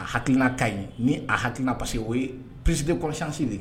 A hakiina ka ɲi ni a hakilikiina parce que o ye psite kɔlɔsisisi de ye